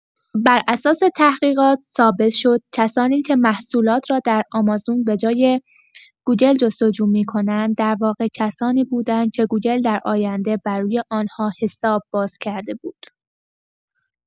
بر اساس تحقیقات ثابت شد کسانی که محصولات را در آمازون بجای گوگل جستجو می‌کنند در واقع کسانی بودند که گوگل در آینده بر روی آن‌ها حساب باز کرده بود.